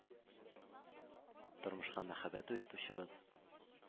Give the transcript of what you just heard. – тормышка мәхәббәт уятучыбыз,